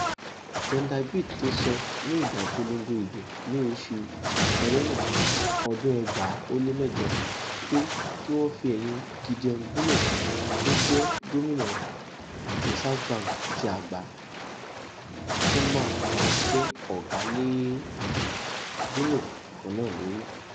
Tendai Biti tó ṣọ nígbà ìpolongo ìbò ní March 2008 pé kí wọ́n fi ẹ̀yin Gideon Gono tó jẹ́ Gómìnà Reserve Bank ti àgbá, tún ma wá jẹ ọ̀gá lé Gono kannáà lórí.